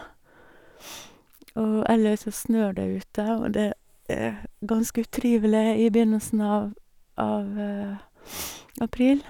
Og ellers så snør det ute, og det er ganske utrivelig i begynnelsen av av april.